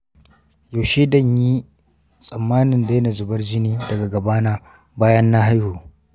yaushe danyi tsammanin daina zubar jini daga gabana bayan na haihu